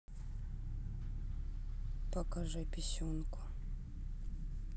покажи писюнку